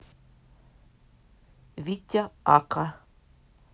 витя ака